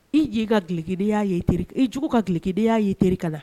I ɲin ka gileki ni ya ye i teri . I jugu ka gileki ni ya ye i teri kan na